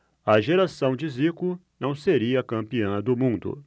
a geração de zico não seria campeã do mundo